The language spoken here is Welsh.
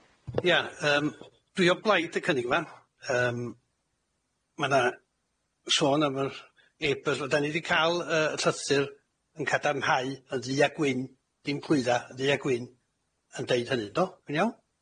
Ia yym, dwi o blaid y cynnig yma. Yym, ma' 'na sôn am yr e bus, wel 'dan ni 'di ca'l yy y llythyr yn cadarnhau yn ddu a gwyn, dim clwydda, yn ddu a gwyn, yn deud hynny. Do? Dwi'n iawn?